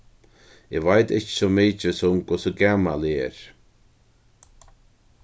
eg veit ikki so mikið sum hvussu gamal eg eri